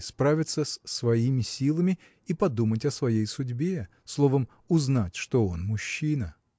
справиться с своими силами и подумать о своей судьбе – словом узнать что он мужчина.